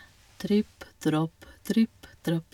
Tripp trapp, tripp trapp.